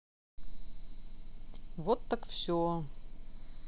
вот так все